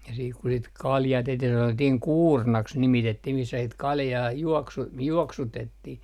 ja sitten kun sitä kaljaa tehtiin sanottiin kuurnaksi nimitettiin missä sitten kaljaa - juoksutettiin